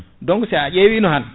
donc si a ƴeewino han